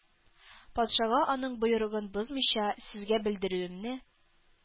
Патшага аның боерыгын бозмыйча сезгә белдерүемне